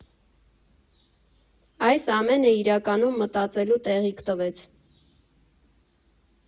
Այս ամենը, իրականում, մտածելու տեղիք տվեց։